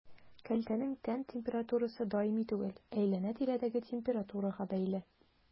Кәлтәнең тән температурасы даими түгел, әйләнә-тирәдәге температурага бәйле.